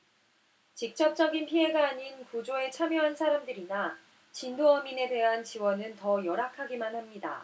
직접적인 피해자가 아닌 구조에 참여한 사람들이나 진도어민들에 대한 지원은 더 열악하기만 합니다